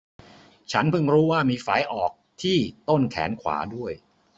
ฉันเพิ่งรู้ว่ามีไฝออกที่ต้นแขนขวาด้วย